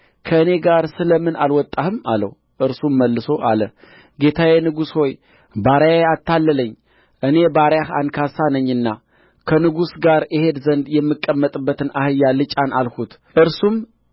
ከእኔ ጋር ስለ ምን አልወጣህም አለው እርሱም መልሶ አለ ጌታዬን ንጉሥ ሆይ ባሪያዬ አታለለኝ እኔ ባሪያህ አንካሳ ነኝና ከንጉሥ ጋር እሄድ ዘንድ የምቀመጥበትን አህያ ልጫን አልሁት እርሱም